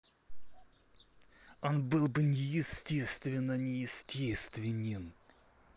он был бы неестественно неестественнен